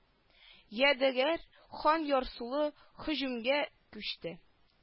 Ядегәр хан ярсулы һөҗүмгә күчте